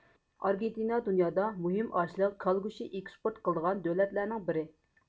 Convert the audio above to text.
ئارگېنتىنا دۇنيادا مۇھىم ئاشلىق كالا گۆشى ئېكسپورت قىلىدىغان دۆتلەرنىڭ بىرى